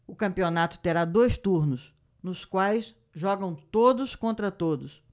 o campeonato terá dois turnos nos quais jogam todos contra todos